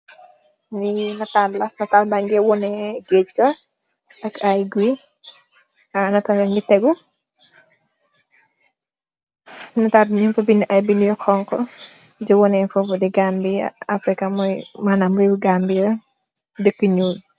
Li natal la natal bange waneh guage ga ak aye bagass nyungi teguh netal bi nyung fa binduh aye binduh yu xhong khu di waneh fufu the gambia africa muy manam rewi gambia la